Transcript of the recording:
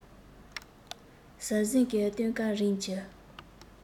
ཟང ཟིང གི སྟོན ཀ རིམ གྱིས